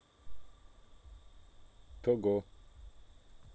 того